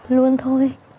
luôn thôi